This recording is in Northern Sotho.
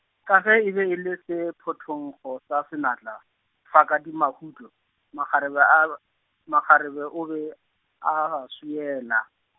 ka ge e be ele sephothonkgo sa senatla, Fakadimahuto, makgarebe a b-, makgarebe o be, a a swiela.